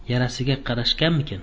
yarasiga qarashganmikan